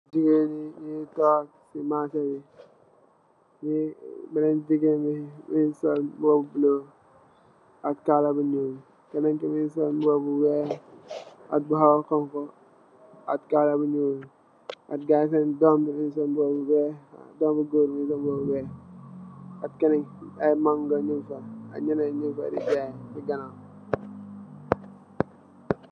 Jigeen nyungi tok ci marche bi bena jigeen bi mungi sul mboba bu bulah ak kala bu nyul kenen ki mungi sul mboba bu weex ak bu khawa xong khu ak kala bu nyul dome bu goor bi mungi sul mboba bu weex ak aye mangoe mung fa